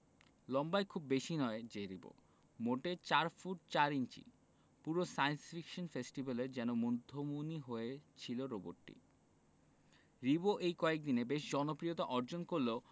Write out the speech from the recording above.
লম্বায় খুব বেশি নয় যে রিবো মোটে ৪ ফুট ৪ ইঞ্চি পুরো সায়েন্স ফিকশন ফেস্টিভ্যালে যেন মধ্যমণি হয়েছিল রোবটটি রিবো এই কয়দিনে বেশ জনপ্রিয়তা অর্জন করলেও